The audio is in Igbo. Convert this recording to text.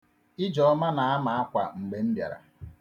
Ijeọma na-ama akwa mgbe m biara.